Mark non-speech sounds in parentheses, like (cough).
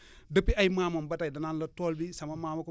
(breath) depuis ay maamaam ba tey da naan la tool bii sama maam a ko